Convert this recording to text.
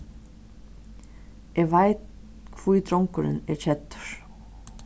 eg veit hví drongurin er keddur